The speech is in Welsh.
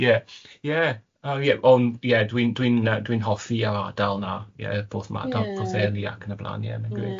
Ie ie o ie ond ie dwi'n dwi'n yy dwi'n hoffi ardal yna... Ie. ...ie pwth ma- pwth eili ac yn y blaen... Ie. ...mae'n grêt.